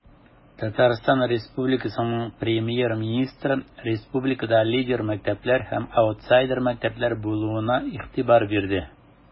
ТР Премьер-министры республикада лидер мәктәпләр һәм аутсайдер мәктәпләр булуына игътибар бирде.